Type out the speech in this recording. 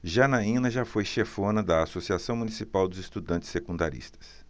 janaina foi chefona da ames associação municipal dos estudantes secundaristas